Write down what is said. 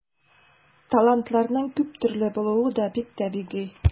Талантларның күп төрле булуы да бик табигый.